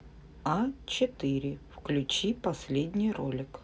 а четыре включи последний ролик